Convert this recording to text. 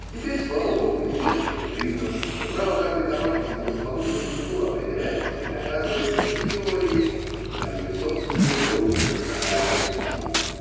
Теперь, слава Богу, известно и признано, что право каждой народности на самобытную культуру определяется и доказывается не теориями, а ее собственной волей к национальному бытию.